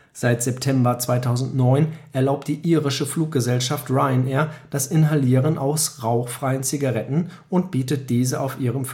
Seit September 2009 erlaubt die irische Fluggesellschaft Ryanair das Inhalieren aus rauchfreien Zigaretten und bietet diese auf ihren